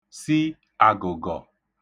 si àgụ̀gọ̀